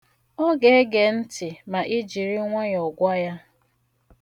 Ọ ga-ege ntị ma i jiri nwayọ gwa ya.